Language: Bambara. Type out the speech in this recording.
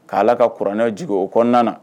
K'a ala ka kuranɛ j o kɔnɔna kɔnɔna na